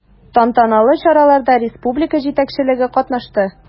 Тантаналы чараларда республика җитәкчелеге катнашты.